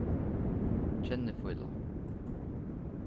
kennifíla